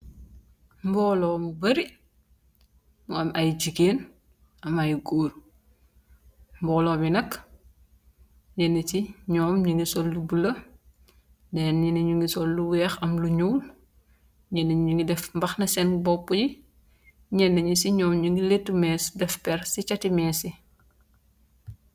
mbooloo mu bari mu am ay jigéen am ay guur mbooloo mi nak nenn ci ñoom ñi ngi sollu bulla deen nini ñu ngi sol lu weex am lu nuul ñenni ñi ngi def mbaxna seen bopp yi ñenn ñi ci ñoom ñi ngi letu mees def per ci cati mees yi